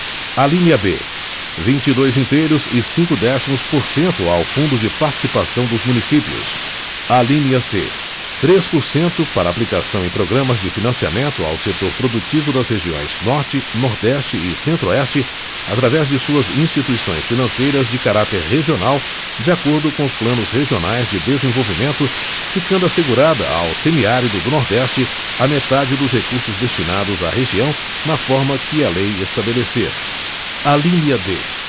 alínea b vinte e dois inteiros e cinco décimos por cento ao fundo de participação dos municípios alínea c três por cento para aplicação em programas de financiamento ao setor produtivo das regiões norte nordeste e centro oeste através de suas instituições financeiras de caráter regional de acordo com os planos regionais de desenvolvimento ficando assegurada ao semi árido do nordeste a metade dos recursos destinados à região na forma que a lei estabelecer alínea d